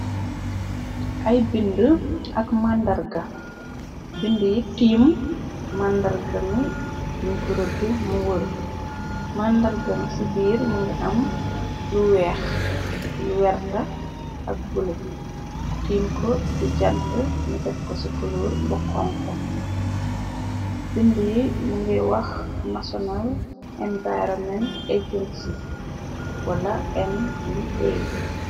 Ay bindi ak màndarga bind yi tiim màndargami mi ngurëddi mu wur màndargami ci biir mu ngi am lu ex lu werta ak bule tiim ko di jant ni def ko ci kuluur bokonko bind yi mu ngiy wax national environment agensy wala N E A.